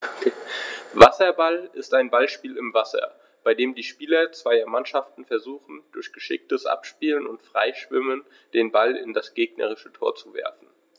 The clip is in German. Wasserball ist ein Ballspiel im Wasser, bei dem die Spieler zweier Mannschaften versuchen, durch geschicktes Abspielen und Freischwimmen den Ball in das gegnerische Tor zu werfen.